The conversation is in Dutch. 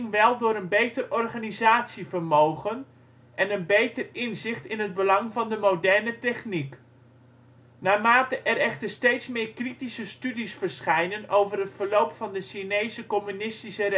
wel door een beter organisatievermogen en een beter inzicht in het belang van de moderne techniek. Naarmate er echter steeds meer kritische studies verschijnen over het verloop van de Chinese Communistische